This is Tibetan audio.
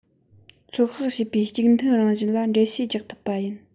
ཚོད དཔག བྱས པའི གཅིག མཐུན རང བཞིན ལ འགྲེལ བཤད རྒྱག ཐུབ པ ཡིན